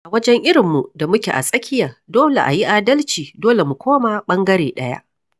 A wajen irinmu da muke a tsakiya, domin a yi adalci, dole mu koma ɓangare ɗaya.